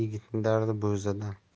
yigitning dardi bo'zada